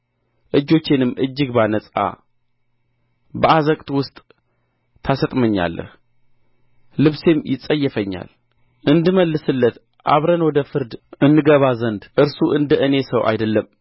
እጆቼንም እጅግ ባነጻ በአዘቅት ውስጥ ታሰጥመኛለህ ልብሴም ይጸየፈኛል እንድመልስለት አብረን ወደ ፍርድ እንገባ ዘንድ እርሱ እንደ እኔ ሰው አይደለም